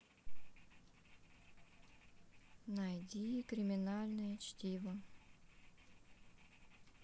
найди криминальное чтиво